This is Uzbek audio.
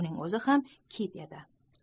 uning o'zi ham kit edi